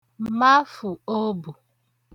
mafụ̀ obù